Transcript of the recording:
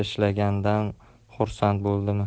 ishlaganidan xursand bo'ldimi